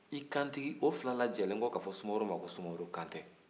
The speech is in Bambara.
i kantigi o fila lajɛlen n kɔn k'a fɔ sumaworo ma ko kantigi